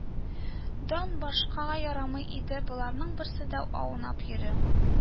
Дан башкага ярамый иде боларның берсе дә, аунап йөри